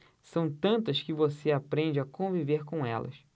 são tantas que você aprende a conviver com elas